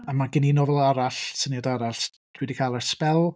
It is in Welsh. Ac mae gen i'n nofel arall, syniad arall dwi 'di cael ers sbel.